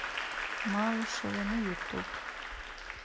малышева на ютуб